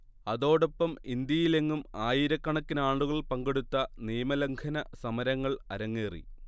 അതോടൊപ്പം ഇന്ത്യയിൽ എങ്ങും ആയിരക്കണക്കിനാളുകൾ പങ്കെടുത്ത നിയമലംഘന സമരങ്ങൾ അരങ്ങേറി